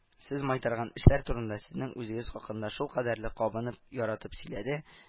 Сез майтарган эшләр турында, сезнең үзегез хакында шулкадәрле кабынып, яратып сөйләде